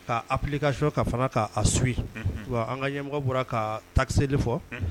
'p ka so ka fana k'a su wa an ka ɲɛmɔgɔ bɔra ka takisɛ de fɔ